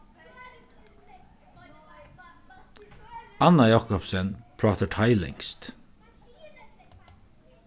anna jacobsen prátar tailendskt